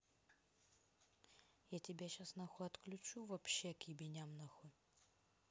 я тебя сейчас нахуй отключу вообще к ебеням нахуй